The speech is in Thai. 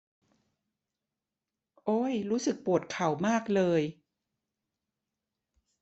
โอ้ยรู้สึกปวดเข่ามากเลย